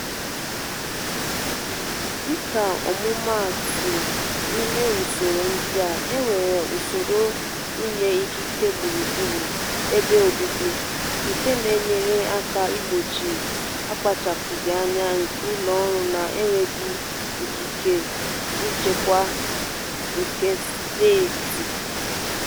Dịka ọmụmaatụ, n'ime usoro ndị a, e nwere usoro inye ikike gburugburu ebe obibi, nke na-enyere aka igbochi akpachapụghị anya nke ụlọọrụ na enweghị ikike nchekwa nke Steeti.